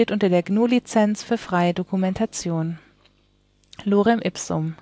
unter der GNU Lizenz für freie Dokumentation. Lorem Ipsum in Arial Lorem Ipsum in Helvetica „ Lorem ipsum